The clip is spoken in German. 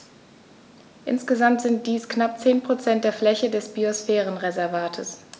Insgesamt sind dies knapp 10 % der Fläche des Biosphärenreservates.